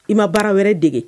I ma baara wɛrɛde